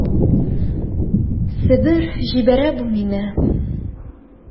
Себер җибәрә бу мине...